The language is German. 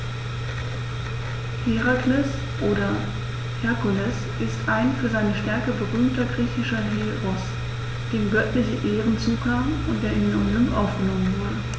Herakles oder Herkules ist ein für seine Stärke berühmter griechischer Heros, dem göttliche Ehren zukamen und der in den Olymp aufgenommen wurde.